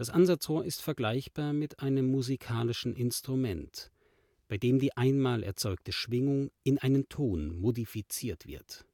Ansatzrohr ist vergleichbar mit einem musikalischen Instrument, bei dem die einmal erzeugte Schwingung in einen Ton modifiziert wird